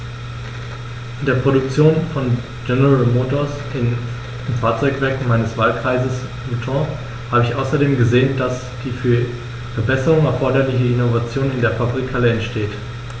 In der Produktion von General Motors, im Fahrzeugwerk meines Wahlkreises Luton, habe ich außerdem gesehen, dass die für Verbesserungen erforderliche Innovation in den Fabrikhallen entsteht.